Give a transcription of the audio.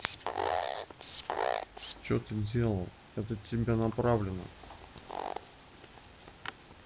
что ты делал это тебе направлю